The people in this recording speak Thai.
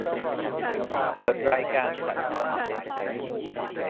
เปิดรายการสัตว์น้ำ